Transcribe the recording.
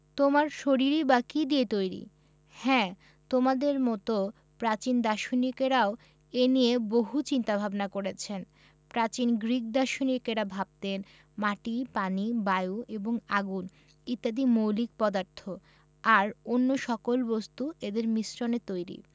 তোমার শরীরই বা কী দিয়ে তৈরি হ্যাঁ তোমাদের মতো প্রাচীন দার্শনিকেরাও এ নিয়ে বহু চিন্তা ভাবনা করেছেন প্রাচীন গ্রিক দার্শনিকেরা ভাবতেন মাটি পানি বায়ু এবং আগুন ইত্যাদি মৌলিক পদার্থ আর অন্য সকল বস্তু এদের মিশ্রণে তৈরি